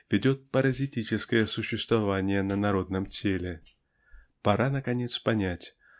ведет паразитическое существование на народном теле. Пора наконец понять